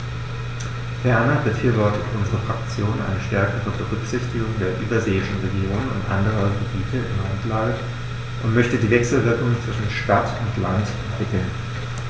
Ferner befürwortet unsere Fraktion eine stärkere Berücksichtigung der überseeischen Regionen und anderen Gebieten in Randlage und möchte die Wechselwirkungen zwischen Stadt und Land entwickeln.